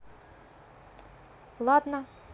ладно